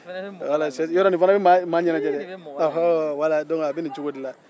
wala yarɔ ni fana bɛ maa-maa ɲɛnajɛ dɛ ɔhɔɔ wala donke a bɛ ni cogo de la